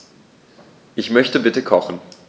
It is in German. Ich möchte bitte kochen.